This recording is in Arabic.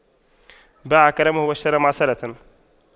باع كرمه واشترى معصرة